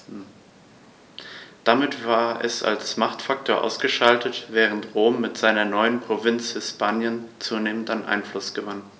Damit war es als Machtfaktor ausgeschaltet, während Rom mit seiner neuen Provinz Hispanien zunehmend an Einfluss gewann.